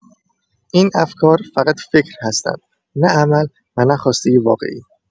این افکار فقط «فکر» هستند، نه عمل و نه خواسته واقعی.